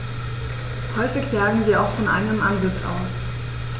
Häufig jagen sie auch von einem Ansitz aus.